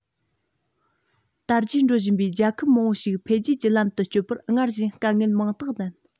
དར རྒྱས འགྲོ བཞིན པའི རྒྱལ ཁབ མང པོ ཞིག འཕེལ རྒྱས ཀྱི ལམ དུ སྐྱོད པར སྔར བཞིན དཀའ ངལ མང དག ལྡན